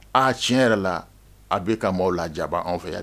Aa tiɲɛ yɛrɛ la, a bɛ ka maaw lajaba anw fɛ yan.